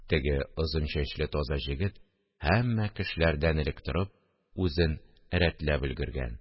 Теге озын чәчле таза җегет һәммә кешеләрдән элек торып, үзен рәтләп өлгергән